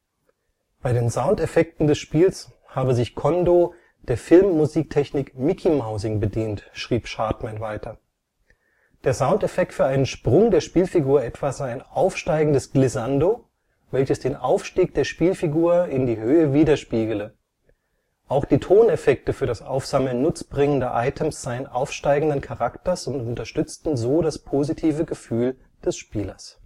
Bei den Soundeffekten des Spiels habe sich Kondō der Filmmusiktechnik „ Mickey-Mousing “bedient, schrieb Schartmann weiter. Der Soundeffekt für einen Sprung der Spielfigur etwa sei ein aufsteigendes Glissando, welches den Aufstieg der Spielfigur in die Höhe widerspiegele. Auch die Toneffekte für das Aufsammeln nutzbringender Items seien aufsteigenden Charakters und unterstützten so das positive Gefühl des Spielers